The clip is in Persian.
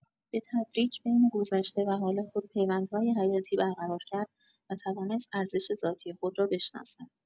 به‌تدریج بین گذشته و حال خود پیوندهای حیاتی برقرار کرد و توانست ارزش ذاتی خود را بشناسد.